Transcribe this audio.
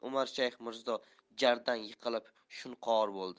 umarshayx mirzo jardan yiqilib shunqor bo'ldi